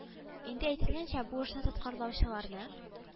Инде әйтелгәнчә бу эшне тоткарлаучыларны